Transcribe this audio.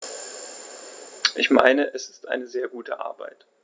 Ich meine, es ist eine sehr gute Arbeit.